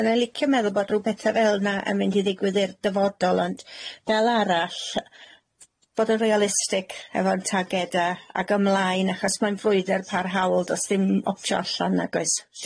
Fyddai'n licio meddwl bod r'w betha fel yna yn mynd i ddigwydd i'r dyfodol ond fel arall yy bod yn realistig efo'n targeda ag ymlaen achos mae'n ffrwydr parhaol d'os dim optio allan nag oes?